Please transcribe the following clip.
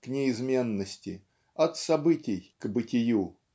к неизменности, от событий к бытию.